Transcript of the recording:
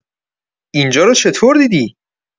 اینجا رو چطور دیدی؟